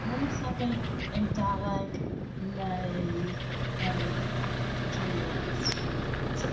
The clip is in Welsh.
Mwy na thebyg, Eidaleg neu, yym, Tsieiniaidd 'swn i'n deud.